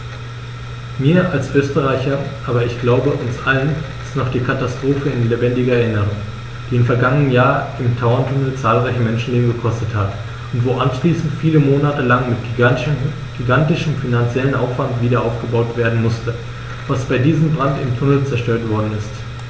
Mir als Österreicher, aber ich glaube, uns allen ist noch die Katastrophe in lebendiger Erinnerung, die im vergangenen Jahr im Tauerntunnel zahlreiche Menschenleben gekostet hat und wo anschließend viele Monate lang mit gigantischem finanziellem Aufwand wiederaufgebaut werden musste, was bei diesem Brand im Tunnel zerstört worden ist.